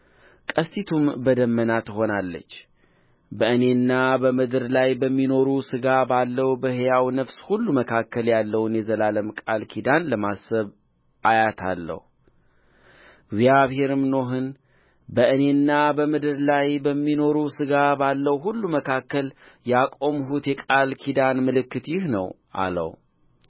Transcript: ቀስቲቱም በደመና ትሆናለች በእኔና በምድር ላይ በሚኖር ሥጋ ባለው በሕያው ነፍስ ሁሉ መካከል ያለውን የዘላለም ቃል ኪዳን ለማሰብ አያታለሁ እግዚአብሔርም ኖኅን በእኔና በምድር ላይ በሚኖር ሥጋ ባለው ሁሉ መካከል ያቆምሁት የቃል ኪዳን ምልክት ይህ ነው አለው